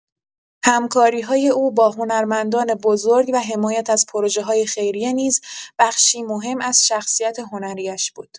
همکاری‌های او با هنرمندان بزرگ و حمایت از پروژه‌های خیریه نیز بخشی مهم از شخصیت هنری‌اش بود.